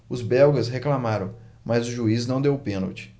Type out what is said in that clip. os belgas reclamaram mas o juiz não deu o pênalti